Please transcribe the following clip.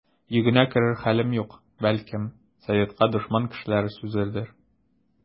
Йөгенә керер хәлем юк, бәлкем, советка дошман кешеләр сүзедер.